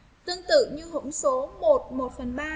phân tử nhưng hỗn số